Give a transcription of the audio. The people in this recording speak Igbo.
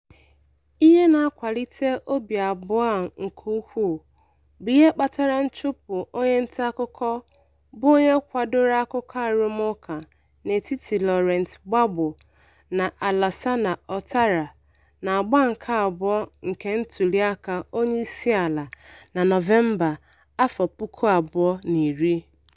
Ihe na-akwalite obi abụọ a nke ukwuu bụ ihe kpatara nchụpụ onye ntaakụkọ bụ onye kwadoro akụkọ arụmụka n'etiti Laurent Gbagbo na Alassane Ouattara n'agba nke abụọ nke ntuliaka onyeisiala na Nọvemba 2010.